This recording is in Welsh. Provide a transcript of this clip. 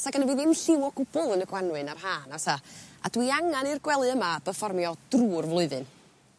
sa gynno fi ddim lliw o gwbwl yn y Gwanwyn a'r Ha na fysa a dwi angan i'r gwely yma berfformio drw'r flwyddyn.